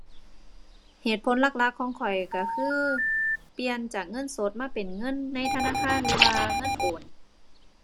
เหตุผลหลักหลักของข้อยก็คือ เปลี่ยนจากเงินสดมาเป็นเงินในธนาคาร หรือว่าเงินโอน